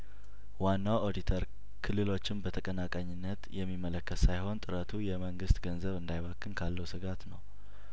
ዋናው ኦዲተር ክልሎችን በተቀናቃኝነት የሚመለከት ሳይሆን ጥረቱ የመንግስት ገንዘብ እንዳይባክን ካለው ስጋት ነው